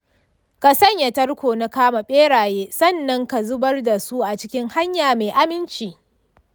ka sanya tarko na kama beraye sannan ka zubar da su cikin hanya mai aminci.